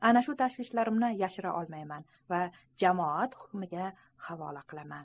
ana shu tashvishlarimni yashira olmayman va jamoat hukmiga havola qilaman